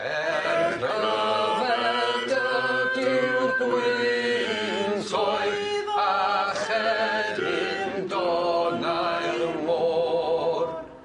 Er gwlybed ydyw'r gwyntoedd a chedyrn donnau'r môr.